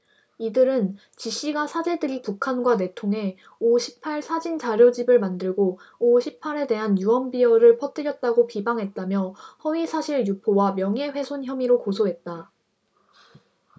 이들은 지씨가 사제들이 북한과 내통해 오 십 팔 사진자료집을 만들고 오 십 팔 에 대한 유언비어를 퍼뜨렸다고 비방했다며 허위사실 유포와 명예훼손 혐의로 고소했다